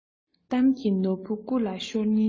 གཏམ གྱི ནོར བུ རྐུ ལ ཤོར ཉེན ཆེ